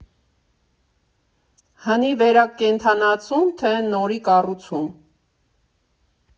Հնի վերակենդանացու՞մ, թե՞ նորի կառուցում։